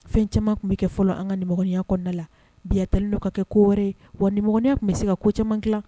Fɛn caman tun bɛ kɛ fɔlɔ an ka niya kɔnɔnada la bi taeli dɔ ka kɛ ko wɛrɛ ye wa niya tun bɛ se ka ko camanti